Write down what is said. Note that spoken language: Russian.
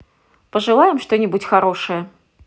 пожелаем что нибудь хорошее